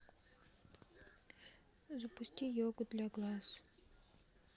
запусти йогу для глаз